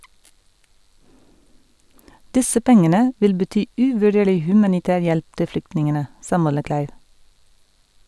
Disse pengene vil bety uvurderlig humanitær hjelp til flyktningene , sa Mollekleiv.